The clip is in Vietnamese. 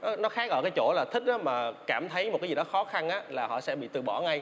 nó khác ở cái chỗ là thích mà cảm thấy một cái gì đó khó khăn nhất là họ sẽ bị từ bỏ ngay